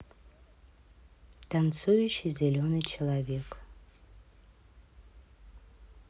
танцующий зеленый человечек